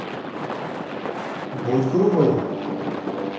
будь грубой